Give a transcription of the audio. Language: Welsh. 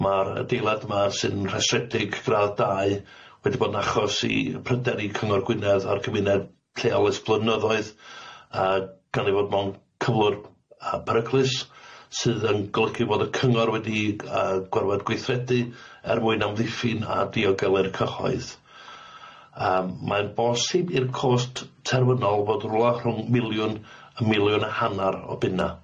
Ma'r adeilad yma sy'n rhestredig gradd dau wedi bod yn achos i pryder i Cyngor Gwynedd a'r cymuned lleol ers blynyddoedd yy gawn ni fod mewn cyflwr yy beryclus sydd yn golygu fod y cyngor wedi yy gorfod gweithredu er mwyn amddiffyn a diogelu'r cyhoedd yym, mae'n bosib i'r cost terwynol fod rwla rhwng miliwn a miliwn a hannar o bunna.